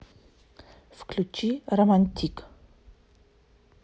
включи романтик